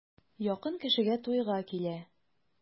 Якын кешегә туйга килә.